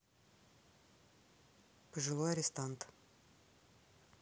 пожилой арестант